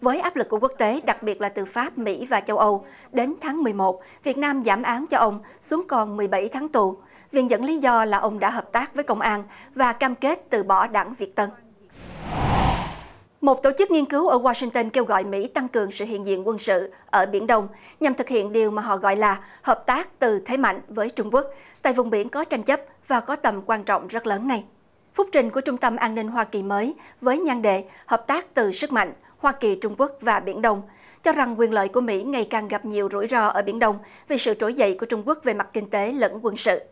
với áp lực của quốc tế đặc biệt là từ pháp mỹ và châu âu đến tháng mười một việt nam giảm án cho ông xuống còn mười bảy tháng tù viện dẫn lý do là ông đã hợp tác với công an và cam kết từ bỏ đảng việt tân một tổ chức nghiên cứu ở goa sinh tân kêu gọi mỹ tăng cường sự hiện diện quân sự ở biển đông nhằm thực hiện điều mà họ gọi là hợp tác từ thế mạnh với trung quốc tại vùng biển có tranh chấp và có tầm quan trọng rất lớn này phúc trình của trung tâm an ninh hoa kỳ mới với nhan đề hợp tác từ sức mạnh hoa kỳ trung quốc và biển đông cho rằng quyền lợi của mỹ ngày càng gặp nhiều rủi ro ở biển đông vì sự trỗi dậy của trung quốc về mặt kinh tế lẫn quân sự